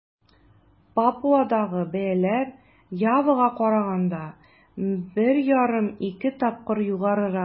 Папуадагы бәяләр Явага караганда 1,5-2 тапкыр югарырак.